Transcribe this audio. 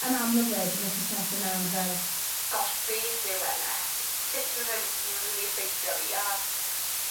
yn amlwg wedyn nath e seto mewn fel gosh beth yw Em Ess sut ma' fe'n, bo' fe'n myn' i effeithio fi a